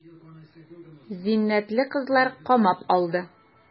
Зиннәтне кызлар камап алды.